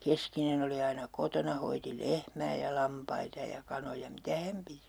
keskinen oli aina kotona hoiti lehmää ja lampaita ja kanoja mitä hän piti